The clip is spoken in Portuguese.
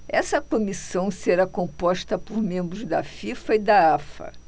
essa comissão será composta por membros da fifa e da afa